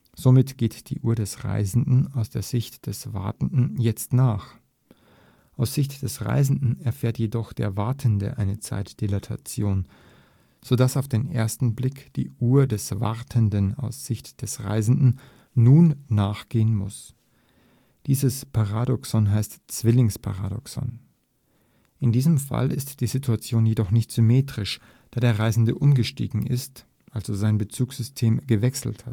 Somit geht die Uhr des Reisenden aus Sicht des Wartenden jetzt nach. Aus Sicht des Reisenden erfährt jedoch der Wartende eine Zeitdilatation, sodass auf den ersten Blick die Uhr des Wartenden aus Sicht des Reisenden nun nachgehen muss. Dieses Paradoxon heißt Zwillingsparadoxon. In diesem Fall ist die Situation jedoch nicht symmetrisch, da der Reisende umgestiegen ist, also sein Bezugssystem gewechselt